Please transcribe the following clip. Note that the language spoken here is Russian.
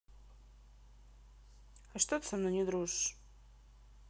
что а ты со мной не дружишь